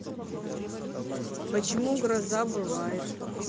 почему гроза бывает